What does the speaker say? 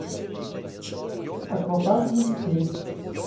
аквапарк для детей